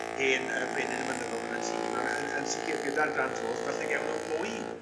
hen yy brenin y mynyddo'dd yn y tîm a ma' yn yn sicir gyda'r grand tours falle gewn n'w mwy